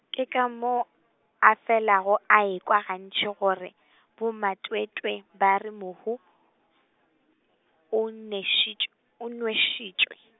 ke ka moo, a felago a ekwa gantši gore bomatwetwe ba re mohu , o nešitš-, o nwešitšwe.